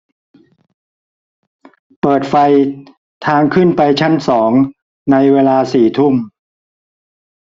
เปิดไฟทางขึ้นไปชั้นสองในเวลาสี่ทุ่ม